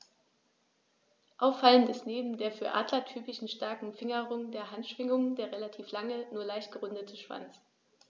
Auffallend ist neben der für Adler typischen starken Fingerung der Handschwingen der relativ lange, nur leicht gerundete Schwanz.